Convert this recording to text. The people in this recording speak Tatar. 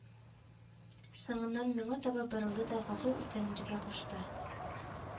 Соңыннан миңа таба борылды да, гафу үтенергә кушты